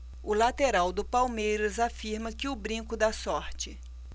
o lateral do palmeiras afirma que o brinco dá sorte